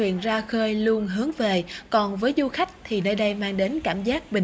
ra khơi luôn hướng về còn với du khách thì nơi đây mang đến cảm giác bình